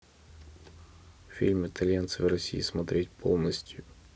фильм итальянцы в россии смотреть полностью